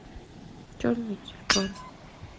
черный тюльпан